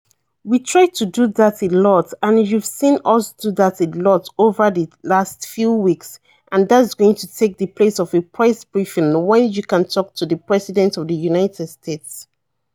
We try to do that a lot and you've seen us do that a lot over the last few weeks and that's going to take the place of a press briefing when you can talk to the president of the United States."